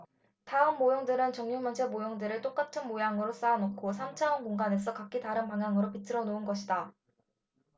다음 모형들은 정육면체 모형들을 똑같은 모양으로 쌓아놓고 삼 차원 공간에서 각기 다른 방향으로 비틀어 놓은 것이다